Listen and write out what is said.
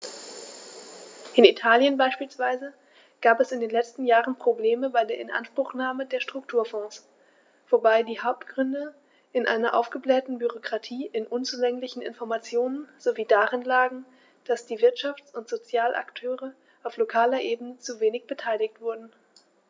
In Italien beispielsweise gab es in den letzten Jahren Probleme bei der Inanspruchnahme der Strukturfonds, wobei die Hauptgründe in einer aufgeblähten Bürokratie, in unzulänglichen Informationen sowie darin lagen, dass die Wirtschafts- und Sozialakteure auf lokaler Ebene zu wenig beteiligt wurden.